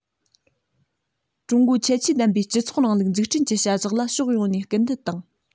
ཀྲུང གོའི ཁྱད ཆོས ལྡན པའི སྤྱི ཚོགས རིང ལུགས འཛུགས སྐྲུན གྱི བྱ གཞག ལ ཕྱོགས ཡོངས ནས སྐུལ འདེད བཏང